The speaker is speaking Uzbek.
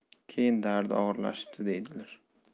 keyin dardi og'irlashibdi deydilar